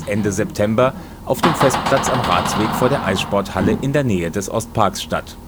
Ende September – auf dem Festplatz am Ratsweg vor der Eissporthalle in der Nähe des Ostparks statt.